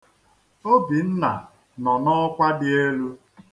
Obinna nọ n'ọkwa dị elu.